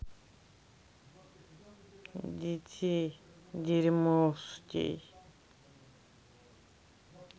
детей дерьмовский